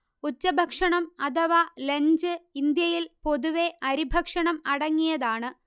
ഉച്ചഭക്ഷണം അഥവ ലഞ്ച് ഇന്ത്യയിൽ പൊതുവെ അരിഭക്ഷണം അടങ്ങിയതാണ്